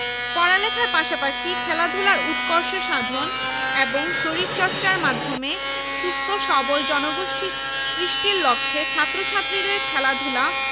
পাঠকক্ষ চারুকলা ও সঙ্গীতের কক্ষ এবং একটি মঞ্চ আরও রয়েছে সুইমিং পুল একটি মনোহারী দোকান বইয়ের দোকান ব্যাংক অন্যান্য সুবিধা ও চিত্তবিনোদনের মাধ্যম